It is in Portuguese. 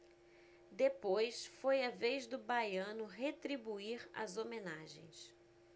depois foi a vez do baiano retribuir as homenagens